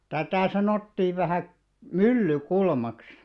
tätä sanottiin vähän Myllykulmaksi